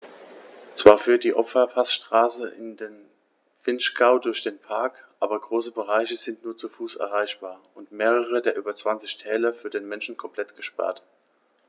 Zwar führt die Ofenpassstraße in den Vinschgau durch den Park, aber große Bereiche sind nur zu Fuß erreichbar und mehrere der über 20 Täler für den Menschen komplett gesperrt.